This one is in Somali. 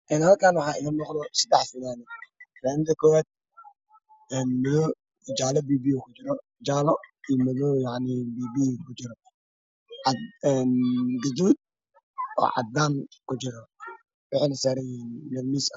Halkaan waxaa iiga muuqdo saddex fanaanad. fanaanada kowaad madow jaale biyo biyo ah kujiro, gaduud oo cadaan ku jira waxayna saran yihiin miis.